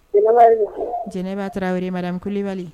Jɛnɛ b'a taaramadabali